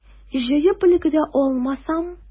Җыеп өлгерә алмасам?